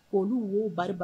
Olu wo barika